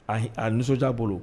A hi a nisɔndiya bolo.